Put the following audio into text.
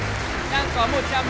đang có một trăm